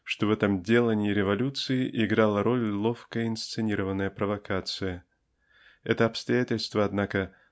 что в этом делании революции играла роль ловко инсценированная провокация. Это обстоятельство однако